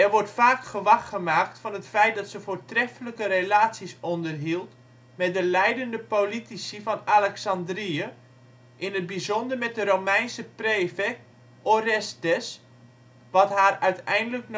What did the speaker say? wordt vaak gewag gemaakt van het feit dat ze voortreffelijke relaties onderhield met de leidende politici van Alexandrië, in het bijzonder met de Romeinse prefect Orestes, wat haar uiteindelijk